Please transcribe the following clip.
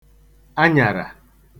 anyara